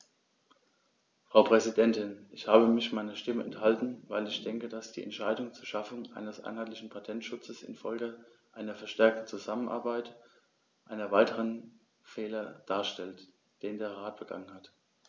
Frau Präsidentin, ich habe mich meiner Stimme enthalten, weil ich denke, dass die Entscheidung zur Schaffung eines einheitlichen Patentschutzes in Folge einer verstärkten Zusammenarbeit einen weiteren Fehler darstellt, den der Rat begangen hat.